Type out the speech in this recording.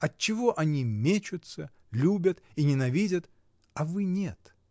Отчего они мечутся, любят и ненавидят, а вы нет?.